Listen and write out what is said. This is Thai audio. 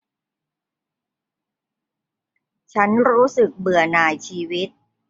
ฉันรู้สึกเบื่อหน่ายชีวิต